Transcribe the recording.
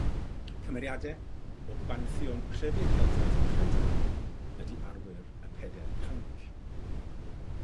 Cymeriade o banthion crefydd Celtaidd Prydain ydi arwyr y peder cainc.